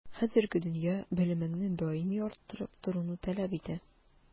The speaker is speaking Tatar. Хәзерге дөнья белемеңне даими арттырып торуны таләп итә.